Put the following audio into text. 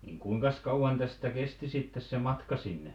niin kuinkas kauan tästä kesti sitten se matka sinne